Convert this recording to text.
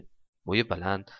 bo'yi baland